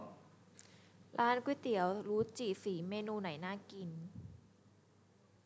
ร้านก๋วยเตี๋ยวรุจิศรีเมนูไหนน่ากิน